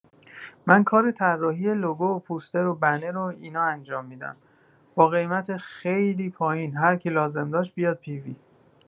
من کار طراحی لوگو و پوستر و بنر و اینا انجام می‌دم با قیمت خیلی پایین هرکی لازم داشت بیاد پی وی